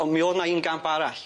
On' mi o'dd 'na un gamp arall.